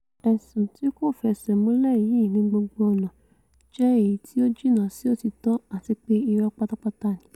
Ẹ̀sùn ti kòfẹsẹ̀múlẹ̀ yìí ní gbogbo ọ̀nà jẹ èyití ó jìnnà sí òtítọ àtipé irọ́ pátápátá ni.''